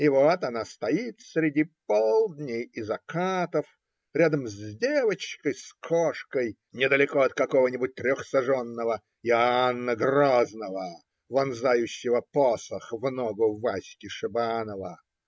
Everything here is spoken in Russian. И вот она стоит среди "полдней" и "закатов", рядом с "девочкой с кошкой", недалеко от какого-нибудь трехсаженного "Иоанна Грозного, вонзающего посох в ногу Васьки Шибанова".